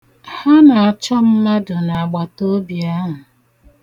Ha na-achọ mmadụ n'agbataobi ahụ.